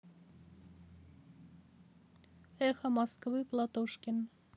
эхо москвы платошкин